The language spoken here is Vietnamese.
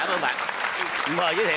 cảm ơn bạn mời giới thiệu